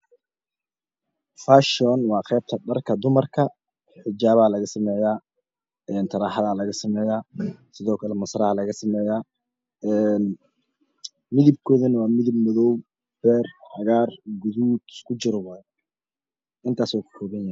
Fashion waa qeebta dharka domarka xijebaa lagasameyaa taraaxad laga sameyaa sidookle masaraa lag sameyaa midabkooduno waa midab madow beer caar buluug iskujiro waaye istaas uu kakoobanyhy